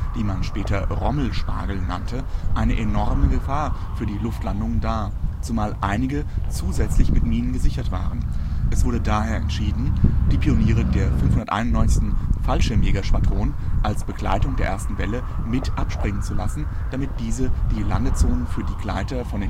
die man später " Rommel-Spargel " nannte, eine enorme Gefahr für die Luftlandungen dar, zumal einige zusätzlich mit Minen gesichert waren. Es wurde daher entschieden, die Pioniere der 591. Fallschirmjägerschwadron als Begleitung der ersten Welle mit abspringen zu lassen, damit diese die Landezonen für die Gleiter von